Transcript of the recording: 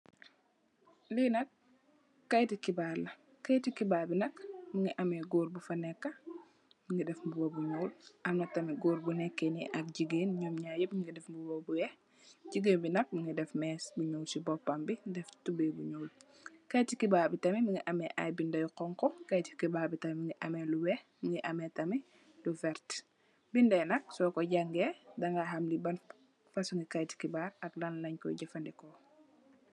Lee nak keyete kebarr la keyete kebarr be nak muge ameh goor bufa neka muge def muba bu nuul amna tamin goor bu neke nee ak jegain num nyarr nyep nuge def muba yu weex jegain be nak muge def mess bu nuul se bopam be def tubaye bu nuul keyete kebarr tamin muge ameh aye beda yu xonxo keyete kebarr tamin muge ameh lu weex muge ameh tamin lu verte beda ye nak soku jange daga ham le ban fosunge keyete kebarr ak lanlenkoye jufaneku.